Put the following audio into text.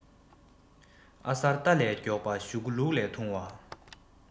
ཨ གསར རྟ ལས མགྱོགས པ ཞུ གུ ལུག ལས ཐུང བ